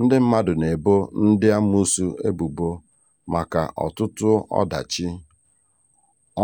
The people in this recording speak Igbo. Ndị mmadụ na-ebo ndị amoosu ebubo maka ọtụtụ ọdachi: